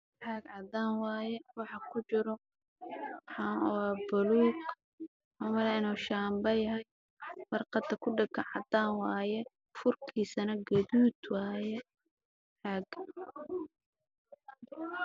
Waa caagad waxaa ku jiro uurkeda wax buluug ah